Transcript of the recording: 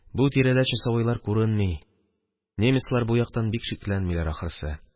Бу тирәдә часовойлар күренми, немецлар бу яктан бик шикләнмиләр, ахрысы.